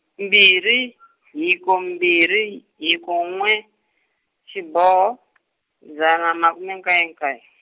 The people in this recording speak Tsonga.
mbirhi , hiko mbirhi, hiko n'we, xiboho , dzana makume nkaye nkaye.